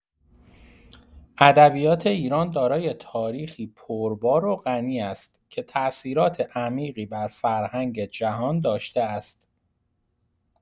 ادبیات ایران دارای تاریخی پربار و غنی است که تأثیرات عمیقی بر فرهنگ جهان داشته است.